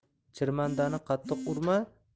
chirmandani qattiq urma